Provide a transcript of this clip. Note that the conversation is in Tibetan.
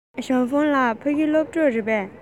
ཞའོ ཧྥུང ལགས ཕ གི སློབ ཕྲུག རེད པས